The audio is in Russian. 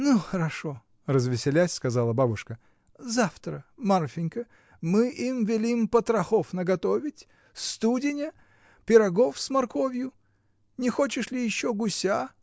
Ну хорошо, — развеселясь, сказала бабушка, — завтра, Марфинька, мы им велим потрохов наготовить, студеня, пирогов с морковью, не хочешь ли еще гуся.